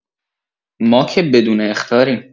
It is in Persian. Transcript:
ما که بدون اخطاریم